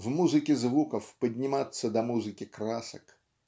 в музыке звуков подниматься до музыки красок.